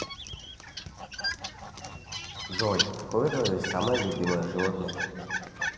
джой какое твое самое любимое животное